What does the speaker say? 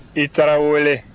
i tarawele